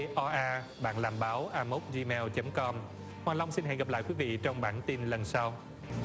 ết o a bạn làm báo a mốc gi meo chấm com hoàng long xin hẹn gặp lại quý vị trong bản tin lần sau